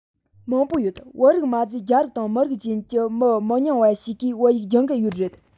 མང པོ ཡོད བོད རིགས མ ཟད རྒྱ རིགས དང མི རིགས གཞན གྱི མི མི ཉུང བ ཞིག གིས བོད ཡིག སྦྱོང གི ཡོད རེད